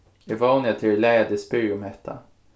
eg vóni at tað er í lagi at eg spyrji um hetta